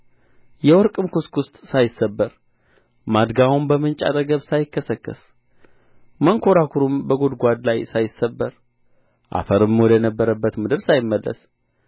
የወርቅም ኵስኵስት ሳይሰበር ማድጋውም በምንጭ አጠገብ ሳይከሰከስ መንኰራኵሩም በጕድጓድ ላይ ሳይሰበር አፈርም ወደ ነበረበት ምድር ሳይመለስ